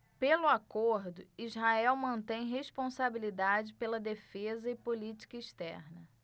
pelo acordo israel mantém responsabilidade pela defesa e política externa